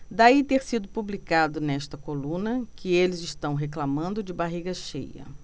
daí ter sido publicado nesta coluna que eles reclamando de barriga cheia